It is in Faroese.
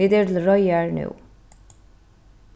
vit eru til reiðar nú